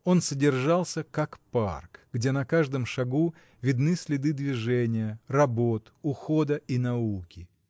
Он содержался как парк, где на каждом шагу видны следы движения, работ, ухода и науки.